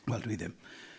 Wel, dwi ddim.